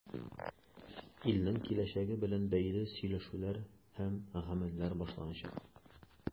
Илнең киләчәге белән бәйле сөйләшүләр һәм гамәлләр башланачак.